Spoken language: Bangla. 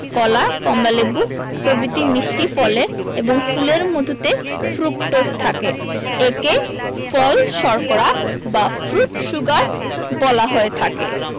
কলা কমলালেবু প্রভৃতি মিষ্টি ফলে এবং ফুলের মধুতে ফ্রুকটোজ থাকে একে ফল শর্করা বা ফ্রুট শুগার বলা হয়ে থাকে